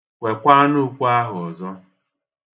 Kwekwanụ ukwe ahụ ọzọ.